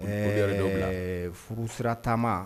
Furu sira taama